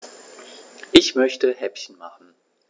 Ich möchte Häppchen machen.